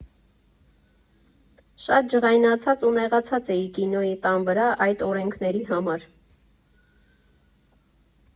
«Շատ ջղայնացած ու նեղացած էի Կինոյի տան վրա այդ օրենքների համար։